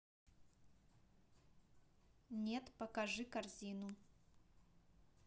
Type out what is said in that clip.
нет покажи корзину